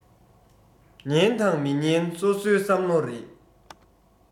ཉན དང མི ཉན སོ སོའི བསམ བློ རེད